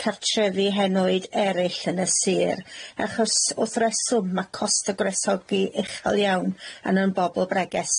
cartrefi henoed erill yn y sir achos wrth reswm ma' costa' gwresogi uchel iawn yn yn bobol bregus.